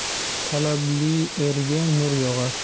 talabli erga nur yog'ar